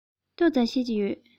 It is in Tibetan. ཏོག ཙམ ཤེས ཀྱི ཡོད